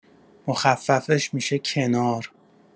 مخففش می‌شه «کنار»